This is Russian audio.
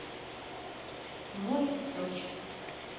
море в сочи